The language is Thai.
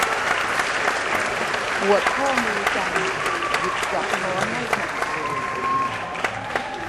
ปวดข้อมือจังหยิบจับช้อนไม่ถนัดเลย